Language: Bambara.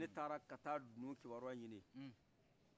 ne taara ka taa dunu kibaruya ɲini